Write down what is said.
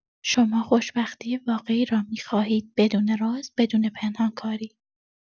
شما خوشبختی واقعی را می‌خواهید، بدون راز، بدون پنهان‌کاری.